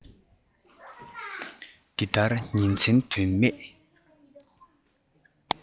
འདི ལྟར ཉིན མཚན དོན མེད